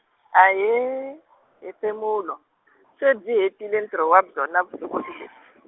ahee hefemulo, se byi hetile ntirho wa byona vusokoti leby-.